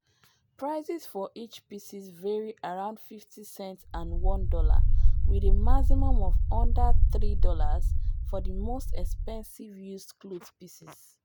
Prices for each piece vary around 50 cents and $1 with a maximum of under $3 for the most expensive used clothes pieces.